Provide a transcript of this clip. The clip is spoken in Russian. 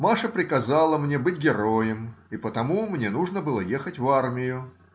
Маша приказала мне быть героем, и потому мне нужно было ехать в армию.